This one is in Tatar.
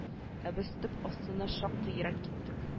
Ә без төп астыннан шактый ерак киттек